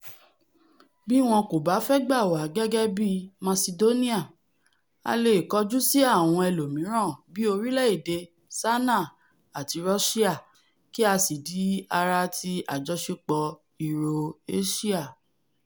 Bí wọn kòbá fẹ́ gbà wá gẹ́gẹ́bí Masidóníà, a leè kọjú sí àwọn ẹlòmíràn bíi orílẹ̀-èdè Ṣáínà àti Rọ́síà kí á sì dí ara ti àjọṣepọ̀ Euro-Asia.